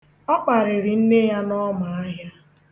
Ọ kparịrị nne ya n' ọmaahịa